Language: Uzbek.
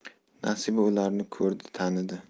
nasiba ularni ko'rdi tanidi